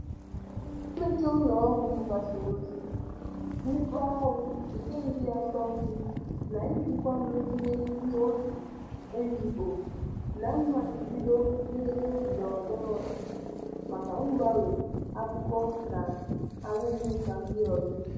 Mmechi ụlọọrụ mgbasaozi, mmekpaahụ nke ndị asọmpi, na njikwa megide ndị òtù NGO na mmachibido n'ebe ndọrọndọrọ ọchịchị maka mgbanwe akụkọ na arụmụka ndị ọzọ.